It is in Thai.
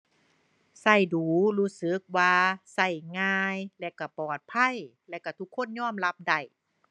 ใช้ดู๋ รู้สึกว่าใช้ง่าย แล้วใช้ปลอดภัย แล้วใช้ทุกคนยอมรับได้